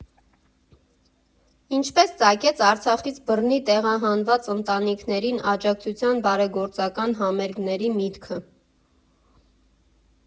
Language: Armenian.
Ինչպե՞ս ծագեց Արցախից բռնի տեղահանված ընտանիքներին աջակցության բարեգորածական համերգների միտքը։